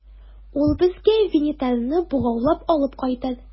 Ул безгә Винитарны богаулап алып кайтыр.